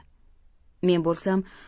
men bo'lsam